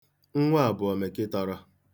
Nwa a bụ omekịtọrọ.